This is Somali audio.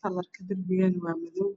kalarka darpigana waa madow